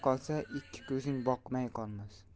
qolsa ikki ko'zing boqmay qolmas